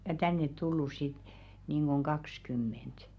ja tänne tullut sitten niin kuin kaksi kymmentä